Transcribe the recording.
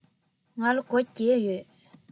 ང ལ སྒོར བརྒྱད ཡོད